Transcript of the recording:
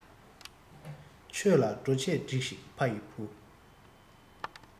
ཆོས ལ འགྲོ ཆས སྒྲིགས ཤིག ཕ ཡི བུ